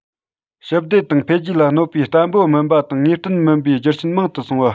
ཞི བདེ དང འཕེལ རྒྱས ལ གནོད པའི བརྟན པོ མིན པ དང ངེས གཏན མེད པའི རྒྱུ རྐྱེན མང དུ སོང བ